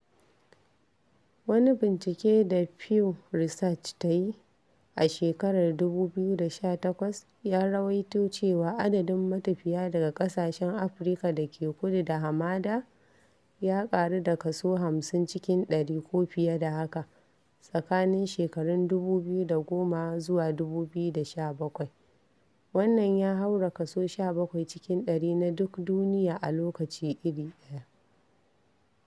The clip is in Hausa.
Wani bincike da Pew Research ta yi a shekarar 2018 ya rawaito cewa adadin matafiya daga ƙasashen Afirka da ke kudu da hamada "ya ƙaru da kaso 50 cikin ɗari ko fiye da haka tsakanin shekarun 2010 da 2017, wannan ya haura kaso 17 cikin ɗari na duk duniya a lokaci iri ɗaya".